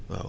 waaw